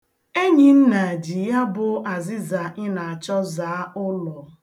Enyinna ji ya bụ azịza ị na-achọ zaa ụlọ.